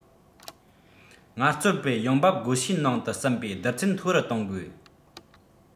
ངལ རྩོལ པའི ཡོང འབབ བགོ བཤའི ནང དུ ཟིན པའི བསྡུར ཚད མཐོ རུ གཏོང དགོས